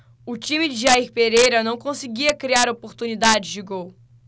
o time de jair pereira não conseguia criar oportunidades de gol